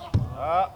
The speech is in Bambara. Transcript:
A